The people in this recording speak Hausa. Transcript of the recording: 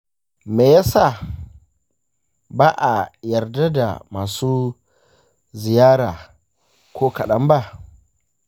me ya sa ba a yarda da masu ziyara ko kaɗan ba?